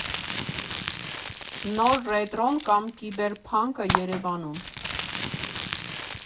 Նոր ռետրոն կամ կիբերփանկը Երևանում։